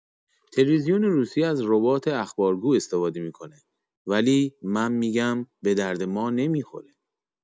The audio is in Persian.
تلویزیون روسیه از ربات اخبارگو استفاده می‌کنه ولی من می‌گم بدرد ما نمی‌خوره.